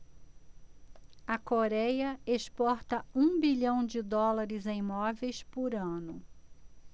a coréia exporta um bilhão de dólares em móveis por ano